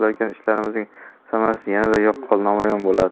oshirgan ishlarimizning samarasi yanada yaqqol namoyon bo'ladi